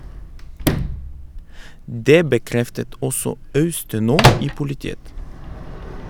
Dét bekreftet også Austenaa i politiet.